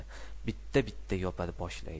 bitta bittadan yopa boshlaydi